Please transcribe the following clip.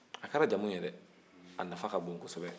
a kɛra jamu ye dɛ a nafan ka bon kosɛbɛ